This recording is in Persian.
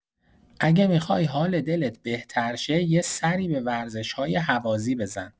اگه میخوای حال دلت بهتر شه، یه سری به ورزش‌های هوازی بزن.